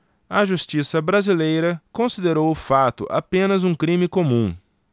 a justiça brasileira considerou o fato apenas um crime comum